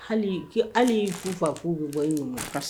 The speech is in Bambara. Hali hali futau fa k'u bɛ bɔ